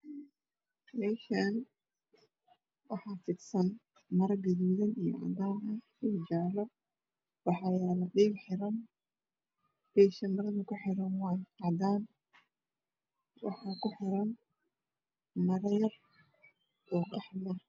Meshan waxaa fidsan mara guduudan iyo cadaan iyo jaalo waxaa yaal biib xiran mesha marada ku xirana waa cadaan waxa ku xiran mara yar oo qaxwi ah